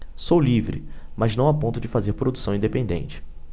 sou livre mas não a ponto de fazer produção independente